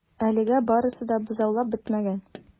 Әлегә барысы да бозаулап бетмәгән.